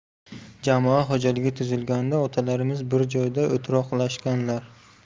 jamoa xo'jaligi tuzilganda otalarimiz bir joyda o'troqlashganlar